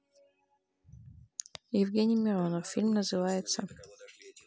евгений миронов фильм называется